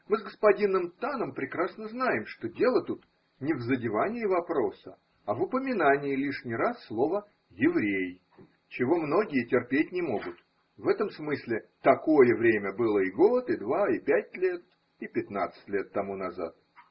Мы с господином Таном прекрасно знаем, что дело тут не в задевании вопроса, а в упоминании лишний раз слова еврей, чего многие терпеть не могут: в этом смысле такое время было и год, и два. и пять лет. и пятнадцать лет тому назад.